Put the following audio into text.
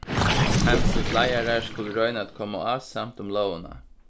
heimsins leiðarar skulu royna at koma ásamt um lógina